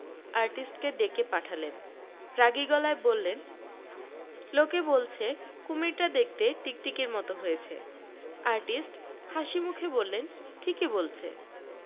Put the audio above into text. আর্টিস্টকে ডেকে পাঠালেন রাগী গলায় বললেন লোকে বলছে কুমীরটা দেখতে টিকটিকির মত হয়েছে আর্টিস্ট হাসিমুখে বললেন ঠিকই বলছে